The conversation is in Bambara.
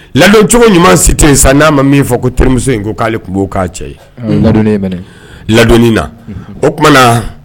Ladoncogo ɲuman si tɛ yen sa, n'a ma min fɔ ko terimuso in ko k'ale tun b'o ka cɛ ye, o ye ladonni ye mɛnɛ, ladonni na, o tuma